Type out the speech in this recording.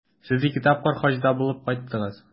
Сез ике тапкыр Хаҗда булып кайттыгыз.